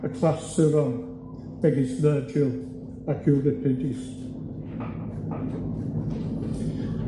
y clasuron, megis Vergil ac Euripies.